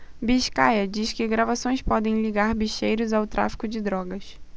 biscaia diz que gravações podem ligar bicheiros ao tráfico de drogas